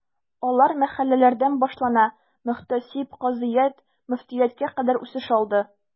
Алар мәхәлләләрдән башлана, мөхтәсиб, казыят, мөфтияткә кадәр үсеш алды.